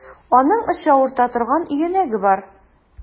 Аның эче авырта торган өянәге бар.